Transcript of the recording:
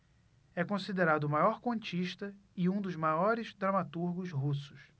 é considerado o maior contista e um dos maiores dramaturgos russos